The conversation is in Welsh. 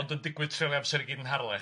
Ond yn digwydd treulio'i amser i gyd yn Harlech.